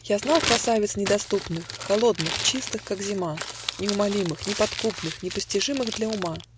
Я знал красавиц недоступных, Холодных, чистых, как зима, Неумолимых, неподкупных, Непостижимых для ума